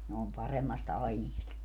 ne on paremmasta aineesta